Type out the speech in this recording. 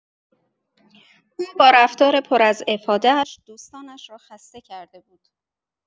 او با رفتار پر از افاده‌اش، دوستانش را خسته کرده بود.